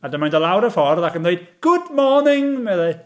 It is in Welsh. A dyma hi'n dod lawr y ffordd ac yn dweud "Good morning!" meddai.